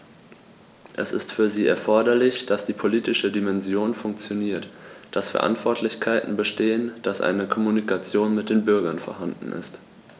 Es ist für sie erforderlich, dass die politische Dimension funktioniert, dass Verantwortlichkeiten bestehen, dass eine Kommunikation mit den Bürgern vorhanden ist.